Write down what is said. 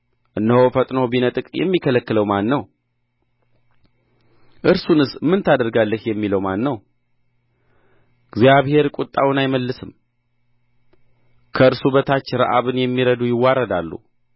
እነሆ ፈጥኖ ቢነጥቅ የሚከለክለው ማን ነው እርሱንስ ምን ታደርጋለህ የሚለው ማን ነው እግዚአብሔር ቍጣውን አይመልስም ከእርሱ በታች ረዓብን የሚረዱ ይዋረዳሉ